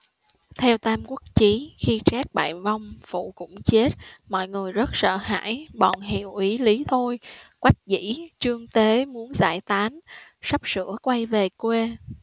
theo tam quốc chí khi trác bại vong phụ cũng chết mọi người rất sợ hãi bọn hiệu úy lý thôi quách dĩ trương tế muốn giải tán sắp sửa quay về quê